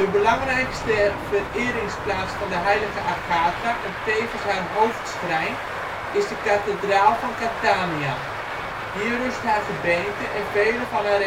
belangrijkste vereringsplaats van de heilige Agatha en tevens haar hoofdschrijn is de kathedraal van Catania. Hier rust haar gebeente en vele van haar